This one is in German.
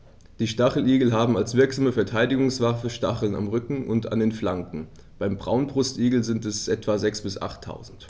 Die Stacheligel haben als wirksame Verteidigungswaffe Stacheln am Rücken und an den Flanken (beim Braunbrustigel sind es etwa sechs- bis achttausend).